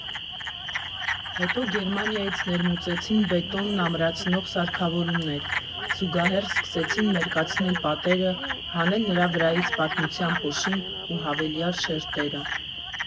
Հետո Գերմանիայից ներմուծեցին բետոնն ամրացնող սարքավորումներ, զուգահեռ սկսեցին մերկացնել պատերը, հանել նրա վրայից պատմության փոշին ու հավելյալ շերտերը։